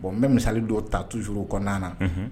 Bon n bɛ misali don ta tu s kɔnɔna na